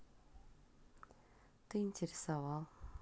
ты интересовал